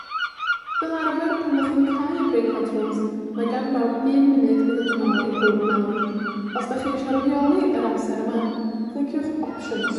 Fel arfer, pan 'dach chi'n cau y Brakeout Rooms, mae gan bawb un munud i ddod yn ôl i'r grŵp mawr. Os 'dach chi isio rheoli yr amser yma, cliciwch Options.